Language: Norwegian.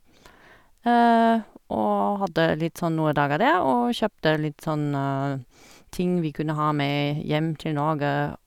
Og hadde litt sånn noe dager der og kjøpte litt sånne ting vi kunne ha med hjem til Norge.